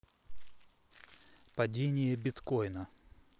падение биткоина